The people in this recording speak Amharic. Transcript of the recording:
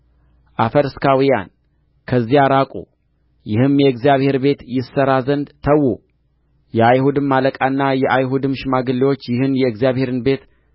አፈርስካውያን ከዚያ ራቁ ይህም የእግዚአብሔር ቤት ይሠራ ዘንድ ተዉ የአይሁድም አለቃና የአይሁድም ሽማግሌዎች ይህን የእግዚአብሔርን ቤት